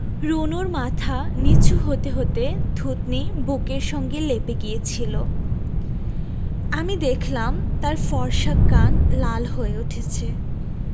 রুনুর মাথা নীচু হতে হতে থুতনি বুকের সঙ্গে লেপে গিয়েছিলো আমি দেখলাম তার ফর্সা কান লাল হয়ে উঠছে